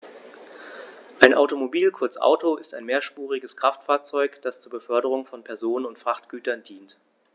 Ein Automobil, kurz Auto, ist ein mehrspuriges Kraftfahrzeug, das zur Beförderung von Personen und Frachtgütern dient.